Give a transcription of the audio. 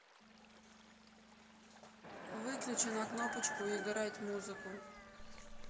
выключи на кнопочку играть музыку